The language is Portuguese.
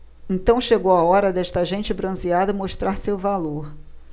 então chegou a hora desta gente bronzeada mostrar seu valor